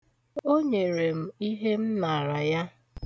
O nyere m ihe m nara ya.